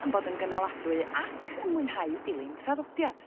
...yn bod yn gynaladwy ac yn mwynhau dilyn traddodiad.